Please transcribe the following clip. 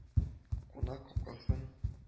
Кунак капкасын